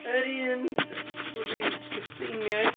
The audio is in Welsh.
yr un blydi cytseiniaid.